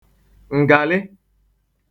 ǹgàlị